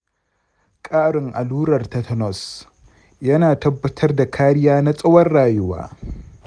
ƙarin allurar tetanus yana tabbatar da kariya na tsawon rayuwa.